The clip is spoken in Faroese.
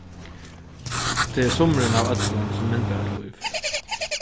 tað er summurin av øllum sum myndar eitt lív